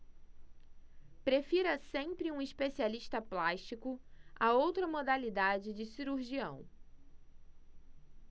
prefira sempre um especialista plástico a outra modalidade de cirurgião